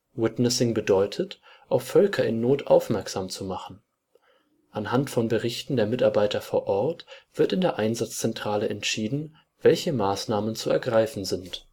Witnessing bedeutet, auf Völker in Not aufmerksam zu machen. Anhand von Berichten der Mitarbeiter vor Ort wird in der MSF-Einsatzzentrale entschieden, welche Maßnahmen zu ergreifen sind